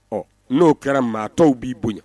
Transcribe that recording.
Ɔ n'o kɛra maa tɔww b'i bonya